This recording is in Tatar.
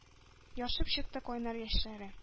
Ярсып чыкты кайнар яшьләре.